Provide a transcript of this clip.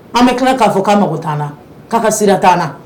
An bɛ tila k'a fɔ k'a mɔgɔ t la k'a ka sira t na